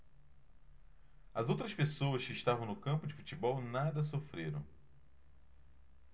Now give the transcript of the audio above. as outras pessoas que estavam no campo de futebol nada sofreram